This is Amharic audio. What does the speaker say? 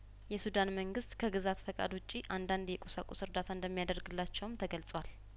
የሱዳን መንግስት ከግዛት ፍቃድ ውጪ አንዳንድ የቁሳቁስ እርዳታ እንደሚያደርግ ላቸውም ተገልጿል